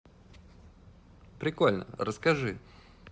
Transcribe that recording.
прикольно расскажи